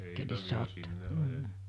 eipä me sinne ajeta